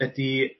ydi